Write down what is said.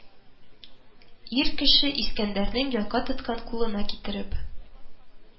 Ир кеше Искәндәрнең яка тоткан кулына китереп